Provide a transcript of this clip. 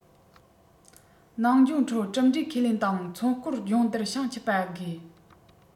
ནང སྦྱོང ཁྲོད གྲུབ འབྲས ཁས ལེན དང མཚོ སྐོར སྦྱོང བརྡར བྱང ཆུབ པ དགོས